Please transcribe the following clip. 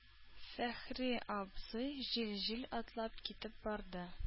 Фәхри абзый җил-җил атлап китеп барды.